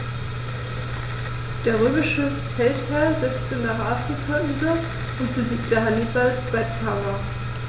Der römische Feldherr setzte nach Afrika über und besiegte Hannibal bei Zama.